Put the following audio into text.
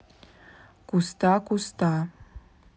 куста куста